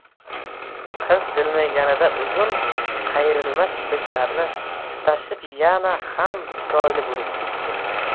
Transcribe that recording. qiz jilmayganida uzun qayrilma kipriklari tutashib yana ham chiroyli bo'lib ketdi